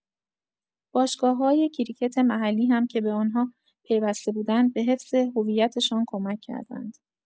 باشگاه‌های کریکت محلی هم که به آن‌ها پیوسته بودند به حفظ هویتشان کمک کردند.